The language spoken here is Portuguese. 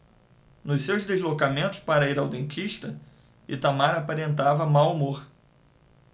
nos seus deslocamentos para ir ao dentista itamar aparentava mau humor